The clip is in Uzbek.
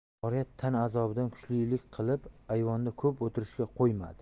oriyat tan azobidan kuchlilik qilib ayvonda ko'p o'tirishga qo'ymadi